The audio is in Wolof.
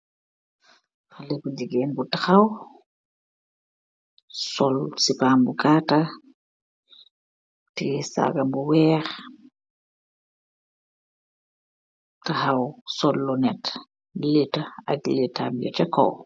Haleh bu jigeen bu taxaw sol sipab bu gata tiyeh sagam bu weex taxaw sol lunet leita agg leitam bi sa kaw.